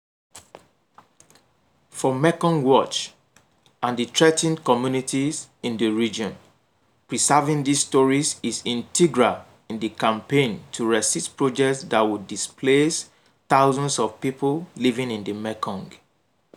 For Mekong Watch and the threatened communities in the region, preserving these stories is integral in the campaign to resist projects that would displace thousands of people living in the Mekong: